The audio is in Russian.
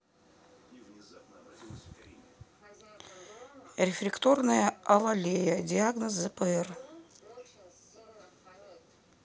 рефлекторная алалия диагноз зпр